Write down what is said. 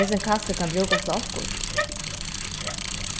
hesin kassin kann brúkast til okkurt